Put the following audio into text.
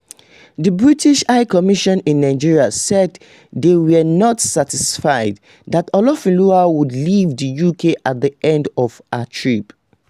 The British High Commission in Nigeria said they were “not satisfied” that Olofinlua would leave the UK at the end of her trip.